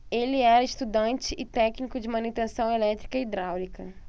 ele era estudante e técnico de manutenção elétrica e hidráulica